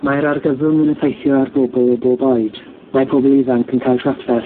Mae'r argyfwng yn effeithio ar bobl o bob oed. Mae pobl ifanc yn cael trafferth